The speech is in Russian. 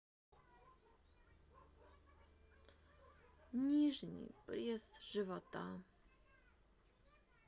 нижний пресс живота